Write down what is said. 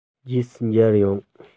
རྗེས སུ མཇལ ཡོང